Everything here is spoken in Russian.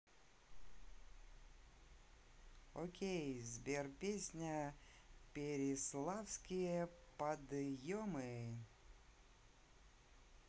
окей сбер песня переславские подъемы